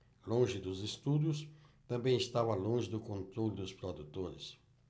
longe dos estúdios também estava longe do controle dos produtores